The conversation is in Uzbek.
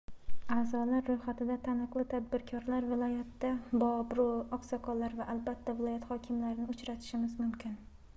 a'zolar ro'yxatida taniqli tadbirkorlar viloyatda boobro' oqsoqollar va albatta viloyat hokimlarini uchratishimiz mumkin